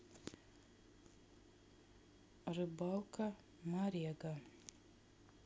рыбалка марега